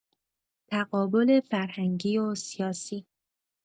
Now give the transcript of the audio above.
تقابل فرهنگی و سیاسی